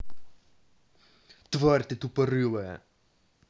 тварь ты тупорылая